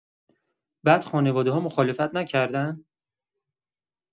بعد خانواده‌ها مخالفت نکردن؟